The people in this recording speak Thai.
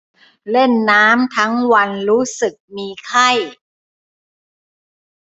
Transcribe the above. เล่นน้ำทั้งวันรู้สึกมีไข้